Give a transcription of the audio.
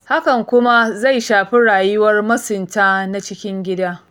Hakan kuma zai shafi rayuwar masunta na cikin gida.